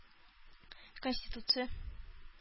Конституция